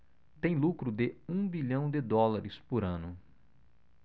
tem lucro de um bilhão de dólares por ano